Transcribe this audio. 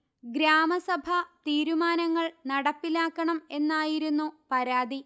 ഗ്രാമസഭാ തീരുമാനങ്ങൾ നടപ്പിലാക്കണം എന്നായിരുന്നു പരാതി